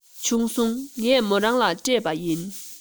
བྱུང སོང ངས མོ རང ལ སྤྲད པ ཡིན